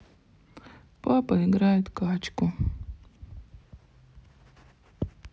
папа играет качку